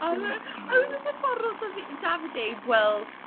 A oedd e jyst y ffordd oedd Dafi- Davide yn gweld...